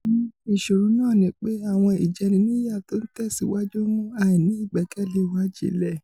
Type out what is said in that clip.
Ṣùgbọn ìṣòro náà nipé àwọn ìjẹniníyà tó ńtẹ̵̀síwájú ńmú àìní-ìgbẹkẹ̀lé wa jinlẹ̀.''